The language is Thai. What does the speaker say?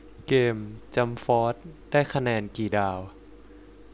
เกมจั๊มฟอสได้คะแนนกี่ดาว